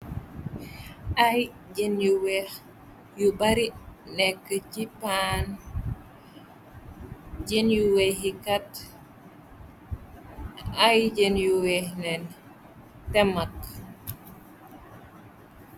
Ay jeen yu weex yu bari nekk ci paan jenyu weex yi kat ay jëen yu weex len te maag.